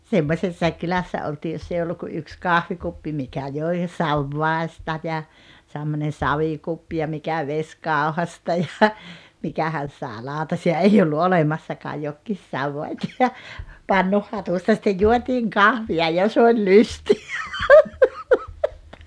semmoisessa kylässä oltiin jos ei ollut kuin yksi kahvikuppi mikä joi savivadista ja semmoinen savikuppi ja mikä vesikauhasta ja mikähän saa lautasia ei ollut olemassakaan jokin savivati ja pannunhatusta sitten juotiin kahvia ja se oli lystiä